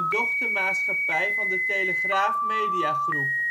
dochtermaatschappij van de Telegraaf Media Groep